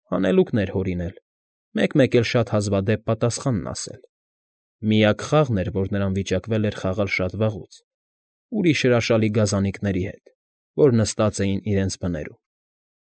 Հանելուկներ հորինել, մեկ֊մեկ էլ շատ հազվադեպ պատասխանն ասել՝ միակ խաղն էր, որ նրան վիճակվել էր խաղալ շատ վաղուց, ուրիշ հրաշալի գազանների հետ, որ նստած էին իրենց բներում։